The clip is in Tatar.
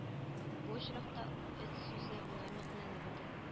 Бу очракта эт сүзе уңай мәгънәне белдерә